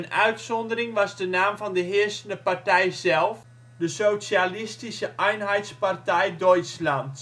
uitzondering was de naam van de heersende partij zelf, de Sozialistische Einheitspartei Deutschlands. In